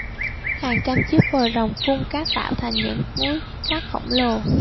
hàng trăm chiếc vòi rồng phun cát tạo thành những núi cát khổng lồ